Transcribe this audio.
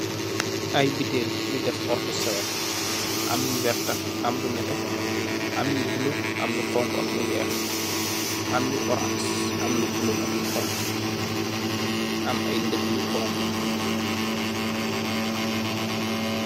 Aye buttle yu def ordasawel am werta am lu neete am yu bluelo am lu hauhe ak lu weehe am yu orange am lu bluelo ak lu hauha am aye nopu yu hauha.